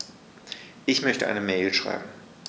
Ich möchte eine Mail schreiben.